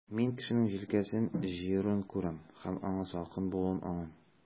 Мин кешенең җилкәсен җыеруын күрәм, һәм аңа салкын булуын аңлыйм.